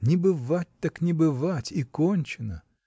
Не бывать, так не бывать -- и кончено.